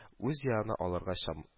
Үз янына алырга чам